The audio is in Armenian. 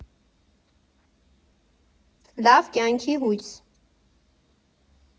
֊Լավ կյանքի հույս…